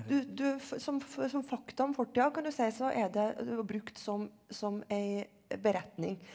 du du som som fakta om fortida kan du si så er det brukt som som ei beretning.